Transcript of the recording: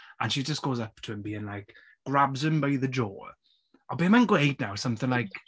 And she just goes up to him being like grabs him by the jaw... O be mae'n gweud nawr? Something like...